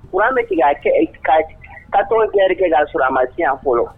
W an bɛ tigɛ' kɛ ka ka tɔn kɛ kɛ y'a sɔrɔ a ma tiɲɛ yan fɔlɔ